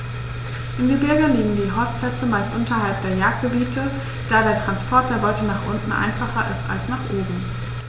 Im Gebirge liegen die Horstplätze meist unterhalb der Jagdgebiete, da der Transport der Beute nach unten einfacher ist als nach oben.